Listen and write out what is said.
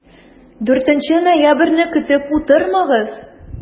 4 ноябрьне көтеп утырмагыз!